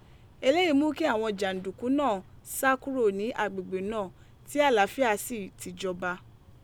Eleyii mu ki awọn janduku naa sa kuro ni agbegbe naa, ti alaafia si ti jọba.